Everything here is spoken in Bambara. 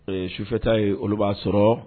Ee sufɛta ye olu b'a sɔrɔ